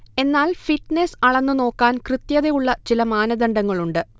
എന്നാൽ ഫിറ്റ്നെസ് അളന്നുനോക്കാൻ കൃത്യതയുള്ള ചില മാനദണ്ഡങ്ങളുണ്ട്